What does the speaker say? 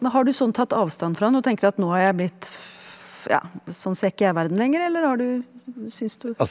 men har du sånn tatt avstand fra han og tenker at nå har jeg blitt ja sånn ser ikke jeg verden lenger, eller har du syns du?